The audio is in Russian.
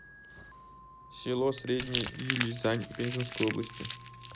село средний елюзань пензенской области